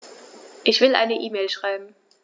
Ich will eine E-Mail schreiben.